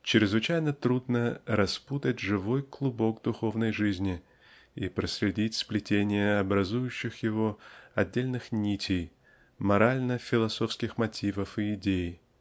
Чрезвычайно трудно распутать живой клубок духовной жизни и проследить сплетение образующих его отдельных нитей -- морально-философских мотивов и идей